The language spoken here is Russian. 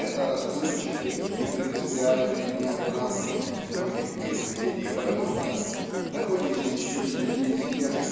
Эта расплывчатость и принципиальная неоправданность многих произведений Бальмонта находится еще в связи и с тем